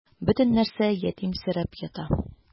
Бөтен нәрсә ятимсерәп тора.